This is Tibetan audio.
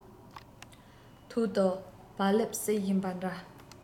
ཐོག ཏུ བག ལེབ སྲེག བཞིན པ འདྲ